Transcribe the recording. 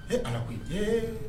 Ee, allah koyi ee!